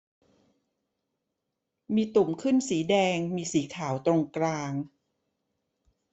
มีตุ่มขึ้นสีแดงมีสีขาวตรงกลาง